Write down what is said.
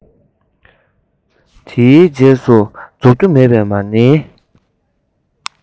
འདོན སྒྲ དང མུ མཐའ མེད པའི རྨི ལམ གྱི